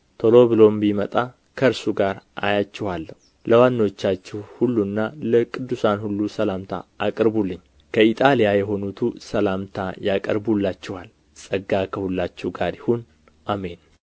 ቶሎ ብሎም ቢመጣ ከእርሱ ጋር አያችኋለሁ ለዋኖቻችሁ ሁሉና ለቅዱሳን ሁሉ ሰላምታ አቅርቡልኝ ከኢጣልያ የሆኑቱ ሰላምታ ያቀርቡላችኋል ጸጋ ከሁላችሁ ጋር ይሁን አሜን